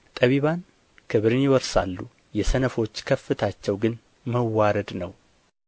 ጠቢባን ክብርን ይወርሳሉ የሰነፎች ከፍታቸው ግን መዋረድ ነው